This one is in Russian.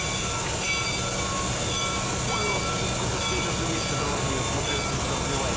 тупой урод скажи сколько стоит ежемесячное приложение смотрешка в сбер девайсе